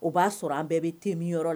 O b'a sɔrɔ an bɛɛ be thé min yɔrɔ la